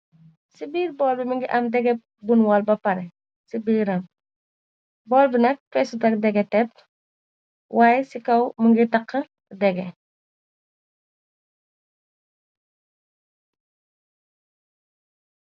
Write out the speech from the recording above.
Ci biir boorbi mi ngi am dege bunwal ba pare ci biiram boorbi nak fesutak dege tépp waaye ci kaw mu ngi taq dege.